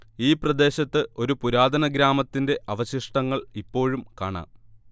ഈ പ്രദേശത്ത് ഒരു പുരാതന ഗ്രാമത്തിന്റെ അവശിഷ്ടങ്ങൾ ഇപ്പോഴും കാണാം